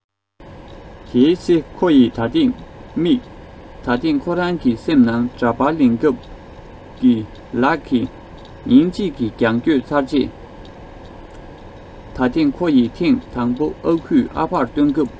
དེའི ཚེ ཁོ ཡི ད ཐེངས དམིགས ད ཐེངས ཁོ རང གི སེམས ནང འདྲ པར ལེན སྐབས ཀྱི ལག གི ཉིན གཅིག གི རྒྱང བསྐྱོད ཚར རྗེས ད ཐེངས ཁོ ཡི ཐེངས དང པོ ཨ ཁུས ཨ ཕར བཏོན སྐབས